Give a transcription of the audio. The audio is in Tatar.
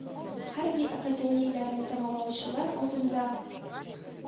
Хәрби академияләрне тәмамлаучылар алдында,